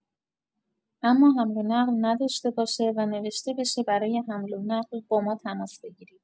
اما حمل و نقل نداشته باشه و نوشته بشه برای حمل و نقل با ما تماس بگیرید.